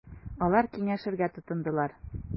Алар киңәшергә тотындылар.